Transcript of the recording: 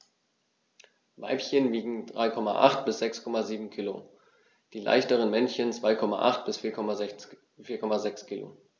Weibchen wiegen 3,8 bis 6,7 kg, die leichteren Männchen 2,8 bis 4,6 kg.